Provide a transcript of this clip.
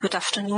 Good afternoon.